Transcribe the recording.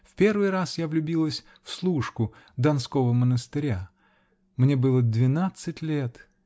В первый раз я влюбилась в служку Донского монастыря. Мне было двенадцать лет.